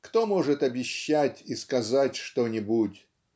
кто может обещать и сказать что-нибудь